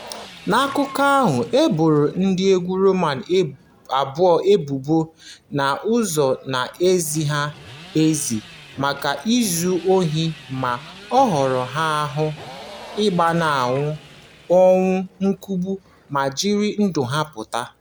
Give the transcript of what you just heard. N'akụkọ ahụ, e boro ndị egwu Roma abụọ ebubo n'ụzọ na-ezighị ezi maka izu ohi ma ọ hịara ha ahụ ịgbanaghụ ọnwụ nkugbu ma jiri ndụ ha pụta.